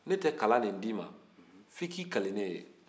ne tɛ kala nin d'i ma f'i k'i kale ne ye